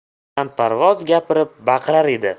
balandparvoz gapirib baqirar edi